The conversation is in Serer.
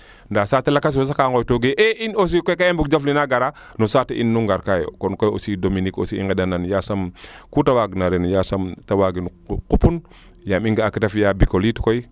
ndaa saate lakas we kaa ngoytogu yee e in aussi kee i mbug jaf le naa garaa no saate in nu ngar kaayo kona aussi Dominique aussi i ndenda nan yasam kute waag na ren yasam te waagin qupun yaam i nga'a keete fiya Bicole it koy